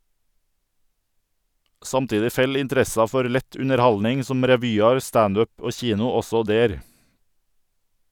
Samtidig fell interessa for lett underhaldning som revyar, stand up og kino også der.